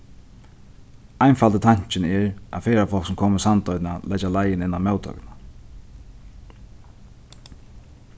einfaldi tankin er at ferðafólk sum koma í sandoynna leggja leiðina inn á móttøkuna